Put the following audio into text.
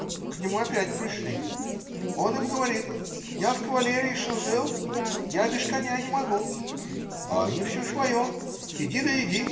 к нему опять пришли, он им говорит: я в каварелии служил, я без коня не могу, а они все свое - иди да иди.